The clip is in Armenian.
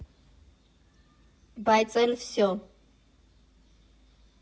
Բայց էլ վսյո։